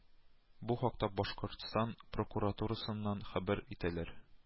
Бу хакта Башкортстан прокуратурасыннан хәбәр итәләр